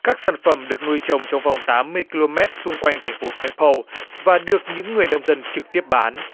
các sản phẩm được nuôi trồng trong vòng tám mươi ki lô mét xung quanh thành phố xanh pâu và được những người nông dân trực tiếp bán